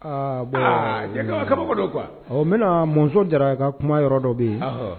Aa bon . Aa cɛ kaba kabako de quoi- -. Awɔ n bɛna Mɔnzɔn Jara ka kuma yɔrɔ dɔ bɛ yen. Ɔnhɔn.